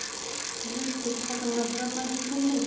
kelib kelib xotinidan so'rabman shekilli